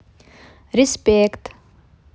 респект